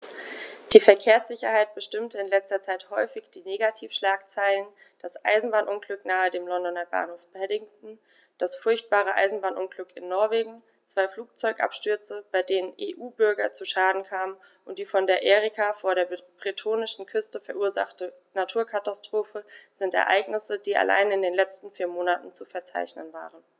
Die Verkehrssicherheit bestimmte in letzter Zeit häufig die Negativschlagzeilen: Das Eisenbahnunglück nahe dem Londoner Bahnhof Paddington, das furchtbare Eisenbahnunglück in Norwegen, zwei Flugzeugabstürze, bei denen EU-Bürger zu Schaden kamen, und die von der Erika vor der bretonischen Küste verursachte Naturkatastrophe sind Ereignisse, die allein in den letzten vier Monaten zu verzeichnen waren.